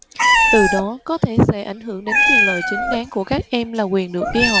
từ đó có thể sẽ ảnh hưởng đến quyền lợi chính đáng của các em là quyền được đi học